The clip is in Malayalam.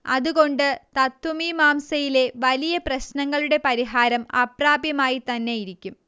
അതുകൊണ്ട് തത്ത്വമീമാംസയിലെ വലിയ പ്രശ്നങ്ങളുടെ പരിഹാരം അപ്രാപ്യമായിത്തന്നെയിരിക്കും